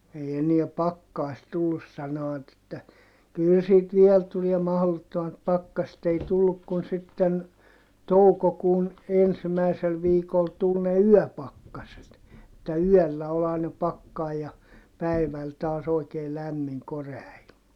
ei enää pakkasta tullut sanovat että kyllä sitten vielä tulee mahdottomat pakkaset ei tullut kuin sitten toukokuun ensimmäisellä viikolla tuli ne yöpakkaset että yöllä oli aina pakkanen ja päivällä taas oikein lämmin korea ilma